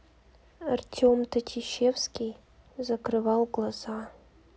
артем татищевский закрывал глаза